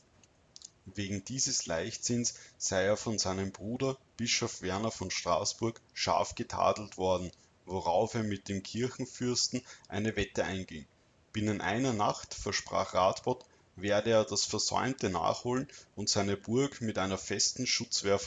Wegen dieses Leichtsinns sei er von seinem Bruder, Bischof Werner von Straßburg, scharf getadelt worden, worauf er mit dem Kirchenfürsten eine Wette einging: Binnen einer Nacht, versprach Radbot, werde er das Versäumte nachholen und seine Burg mit einer festen Schutzwehr